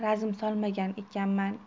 razm solmagan ekanman